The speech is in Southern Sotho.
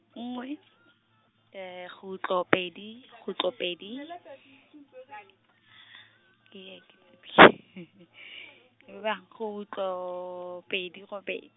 nngwe , kgutlo pedi, kgutlo pedi , eya ke nepile , ebe ebang, kgutlo, pedi robe.